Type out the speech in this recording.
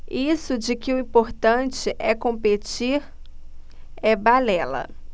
isso de que o importante é competir é balela